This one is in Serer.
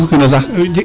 jikukino sax.